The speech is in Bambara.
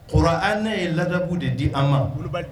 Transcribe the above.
Kɔrɔ an ne ye ladabugu de di an ma